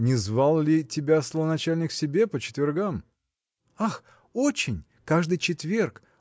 – Не звал ли тебя столоначальник к себе по четвергам? – Ах, очень: каждый четверг.